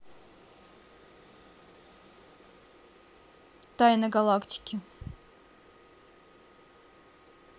тайна галактики